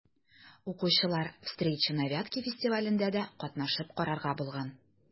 Укучылар «Встречи на Вятке» фестивалендә дә катнашып карарга булган.